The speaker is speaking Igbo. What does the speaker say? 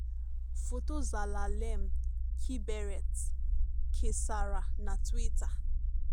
Foto Zelalem Kiberet kesara na Twitter.